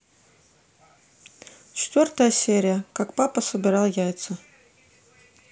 четвертая серия как папа собирал яйца